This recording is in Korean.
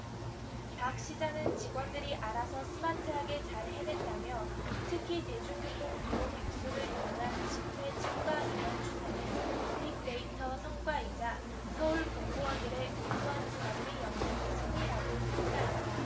박 시장은 직원들이 알아서 스마트하게 잘 해냈다며 특히 대중교통 이용객 수를 이용한 집회 참가 인원 추산은 빅데이터 성과이자 서울 공무원들의 우수한 관리역량의 승리라고 평가했다